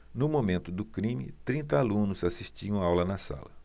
no momento do crime trinta alunos assistiam aula na sala